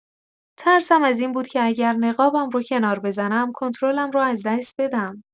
ترسم از این بود که اگه نقابم رو کنار بزنم، کنترلم رو از دست بدم.